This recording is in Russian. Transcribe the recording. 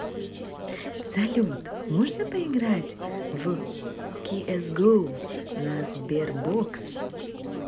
салют можно поиграть в cs go на sberbox